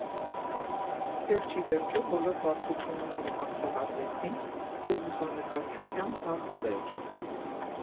Վերջիվերջո բոլոր բարդությունները հաղթահարվեցին և «Լուսանկարչության հարցեր.